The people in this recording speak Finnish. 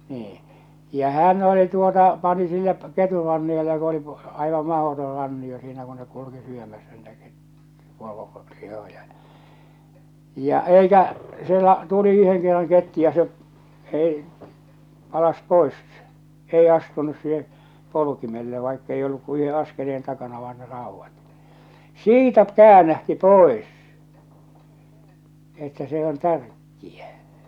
niin ja hän oli tuota pani sinne ketunranniota kun oli aivan mahdoton rannio siinä kun ne kulki syömässä niitä -- poronlihoja ja ja eikä siellä tuli yhden kerran kettu ja se ei palasi pois ei astunut siihen polkimelle vaikka ei ollut kuin yhden askeleen takana vain ne raudat siitä käännähti pois että se on tärkeä